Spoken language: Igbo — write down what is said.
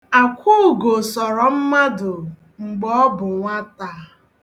Akwaugo sọrọ mmadụ mgbe ọ bụ nwata.